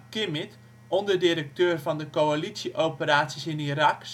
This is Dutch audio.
Kimmitt, onderdirecteur van de coalitie-operaties in Irak